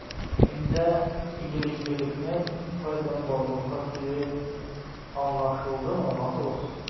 Миндә игелеклелекнең кайдан барлыкка килүе аңлашылдымы, матрос?